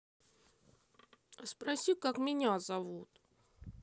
а спроси как меня зовут